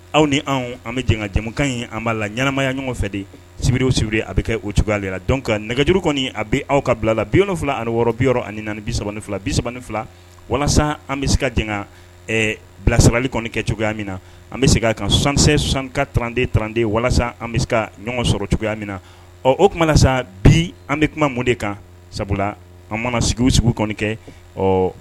Aw ni an bɛ jan jɛkan in an b'a la ɲ ɲɛnaanamaya ɲɔgɔn fɛ de sibiriw siur a bɛ kɛ o cogoya ale la dɔn nɛgɛjuru kɔni a bɛ aw ka bilala biylo fila ani wɔɔrɔ bi ani bisa fila bisani fila walasa an bɛ se ka bilasarali kɔni kɛ cogoyaya min na an bɛ se' kan sankisɛ sankaranden tranden walasa an bɛ se ka ɲɔgɔn sɔrɔ cogoyaya min na ɔ o tuma bi an bɛ kuma mun de kan sabula an mana sigi sigi kɔni kɛ ɔ